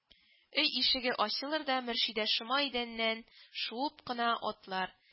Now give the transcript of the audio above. – өй ишеге ачылыр да, мөршидә шома идәннән шуып кына атлар